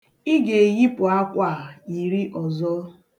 Ị ga-eyipụ akwa a yiri ọzọ.